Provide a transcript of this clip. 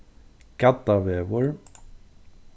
gaddavegur